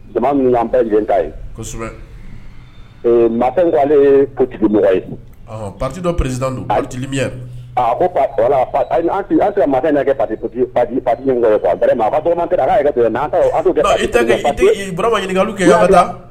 Jama'an bɛɛ ta ye kosɛbɛ makɛ ale ye kotigimɔgɔ ye pami koakɛ ɲɛ kɛ pa a yɛrɛ ɲininkaka kɛ